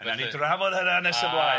A nawn ni drafod hynna nes y blaen.